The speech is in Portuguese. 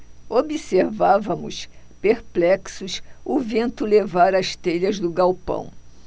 observávamos perplexos o vento levar as telhas do galpão